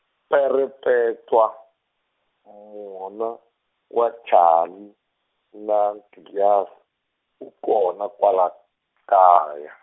Perepetwa mona wa Chali na Nkiyas-, u kona kwala kaya.